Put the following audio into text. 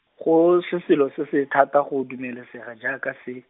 go se selo se thata go dumelesega jaaka se.